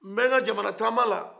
n bɛ n ka jamana taama la